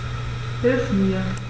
Hilf mir!